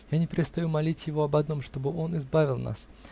Я не перестаю молить его об одном, чтобы он избавил нас.